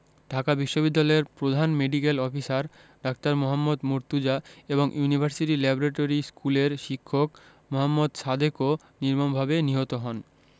ঢাকা বিশ্ববিদ্যালয়ের প্রধান medical officer ডা. মোহাম্মদ মর্তুজা এবং ইউনিভার্সিটি ল্যাবরেটরি স্কুলের শিক্ষক মোহাম্মদ সাদেকও নির্মমভাবে নিহত হন